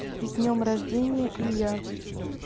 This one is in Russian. с днем рождения и я